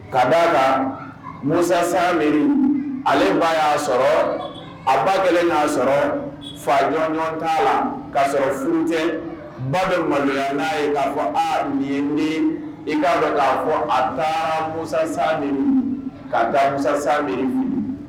Ka'a a kan musasanmini ale ba y'a sɔrɔ a ba kelen y'a sɔrɔ fa ɲɔ ɲɔgɔn t'a la k'a sɔrɔ furu tɛ ba bɛ maloya n'a ye k'a fɔ a nin min i k'a dɔn k'a fɔ a taara musasa ka taa musasa